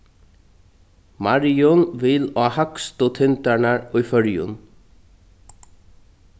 marjun vil á hægstu tindarnar í føroyum